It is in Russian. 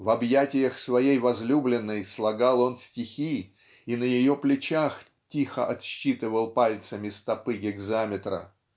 в об'ятиях своей возлюбленной слагал он стихи и на ея плечах тихо отсчитывал пальцами стопы гекзаметра.